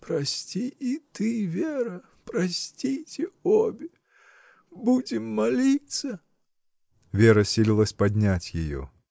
— Прости и ты, Вера, простите обе!. Будем молиться!. Вера силилась поднять ее.